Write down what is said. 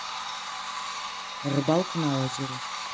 рыбалка на озере